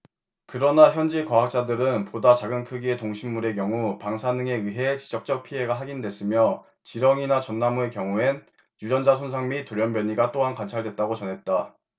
그러나 현지 과학자들은 보다 작은 크기의 동식물의 경우 방사능에 의한 직접적 피해가 확인됐으며 지렁이나 전나무의 경우엔 유전자 손상 및 돌연변이 또한 관찰됐다고 전했다